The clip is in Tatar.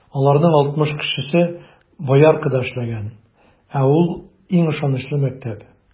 Аларның алтмыш кешесе Бояркада эшләгән, ә ул - иң ышанычлы мәктәп.